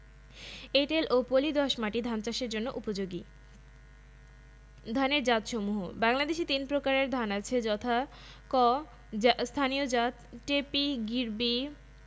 ৩.২ পরমাণু বা এটম ও অণু বা মলিকিউলস পরমাণু হলো মৌলিক পদার্থের ক্ষুদ্রতম কণা যার মধ্যে মৌলের গুণাগুণ থাকে যেমন নাইট্রোজেনের পরমাণুতে নাইট্রোজেনের ধর্ম বিদ্যমান আর অক্সিজেনের পরমাণুতে অক্সিজেনের ধর্ম বিদ্যমান